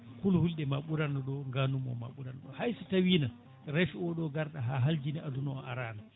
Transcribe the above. kulhuleɗe ma ɓuranno ɗo ganuma ma ɓuranɗo hayso tawino raafi oɗo garɗo ha haljini aduna o arano